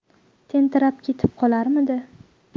tentirab ketib qolarmidi